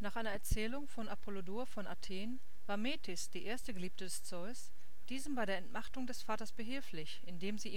einer Erzählung von Apollodor von Athen war Metis, die erste Geliebte des Zeus, diesem bei der Entmachtung des Vaters behilflich, indem sie